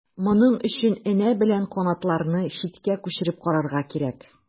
Моның өчен энә белән канатларны читкә күчереп карарга кирәк.